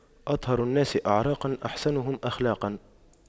أطهر الناس أعراقاً أحسنهم أخلاقاً